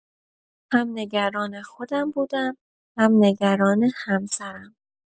هم نگران خودم بودم هم نگران همسرم